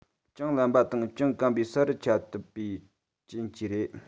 ཅུང རླན པ དང ཅུང སྐམ པའི ས རུ ཁྱབ ཐུབ པའི རྐྱེན གྱིས རེད